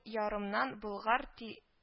Ярымнан болгар ти